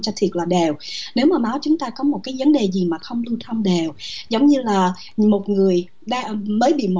cho thiệc là đều nếu mà máu chúng ta có một cái vấn đề gì mà không lưu thông đều giống như là một người đang mới bị mổ